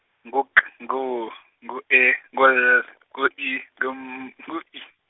ngu K, ngu W, ngu E, ngu L , ngu I, ngu M, ngu I.